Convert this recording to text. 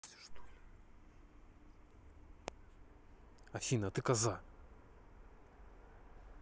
афина ты коза